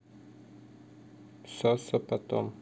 coca потом